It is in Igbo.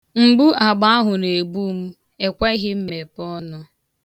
Mgbu agba ahụ na-egbu m ekweghị m mepee ọnụ.